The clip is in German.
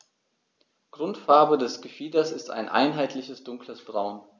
Grundfarbe des Gefieders ist ein einheitliches dunkles Braun.